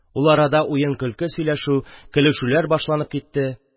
Ул арада уен-көлке сөйләшү, көлешүләр башланып китте